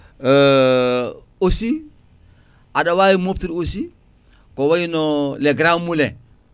aussi aɗa wawi moftude aussi ko wayno les moulins